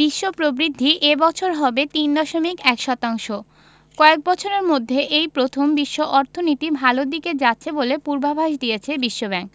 বিশ্ব প্রবৃদ্ধি এ বছর হবে ৩.১ শতাংশ কয়েক বছরের মধ্যে এই প্রথম বিশ্ব অর্থনীতি ভালোর দিকে যাচ্ছে বলে পূর্বাভাস দিয়েছে বিশ্বব্যাংক